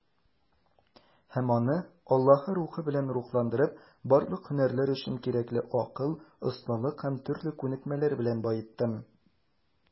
Һәм аны, Аллаһы Рухы белән рухландырып, барлык һөнәрләр өчен кирәкле акыл, осталык һәм төрле күнекмәләр белән баеттым.